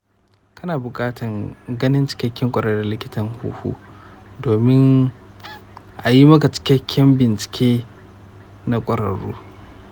kana buƙatar ganin ƙwararren likitan huhu domin a yi maka cikakken bincike na ƙwararru.